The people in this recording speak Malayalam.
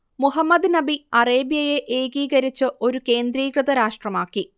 മുഹമ്മദ് നബി അറേബ്യയെ ഏകീകരിച്ച് ഒരു കേന്ദ്രീകൃത രാഷ്ട്രമാക്കി